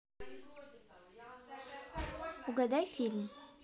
угадай фильм